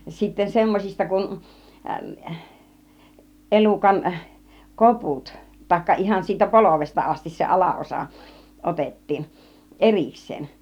sitten semmoisista kun elukan koput tai ihan siitä polvesta asti se alaosa otettiin erikseen